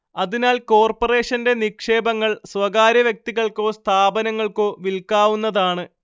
അതിനാൽ കോർപ്പറേഷന്റെ നിക്ഷേപങ്ങൾ സ്വകാര്യവ്യക്തികൾക്കോ സ്ഥാപനങ്ങൾക്കോ വിൽക്കാവുന്നതാണ്